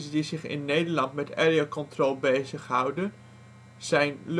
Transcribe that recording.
die zich in Nederland met Area Control bezighouden, zijn